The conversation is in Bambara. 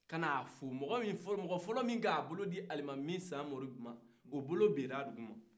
ka n'a fo mɔgɔ fɔlɔ min y'a tɛgɛ di alimami samori ma o tɛgɛ binna duguma